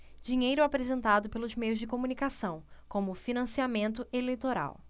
dinheiro apresentado pelos meios de comunicação como financiamento eleitoral